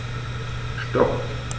Stop.